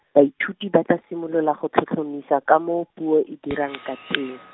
baithuti ba tla simolola go tlhotlhomisa ka moo puo e dirang ka te- .